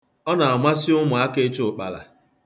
Ọ na-amasị ụmụaka ịchụ ụkpala.